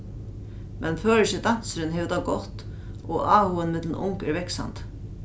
men føroyski dansurin hevur tað gott og áhugin millum ung er vaksandi